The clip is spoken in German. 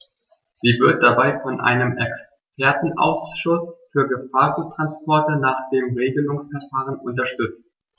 Sie wird dabei von einem Expertenausschuß für Gefahrguttransporte nach dem Regelungsverfahren unterstützt.